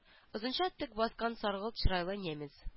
Озынча төк баскан саргылт чырайлы немец